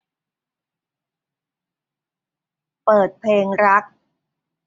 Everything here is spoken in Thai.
เปิดเพลงรัก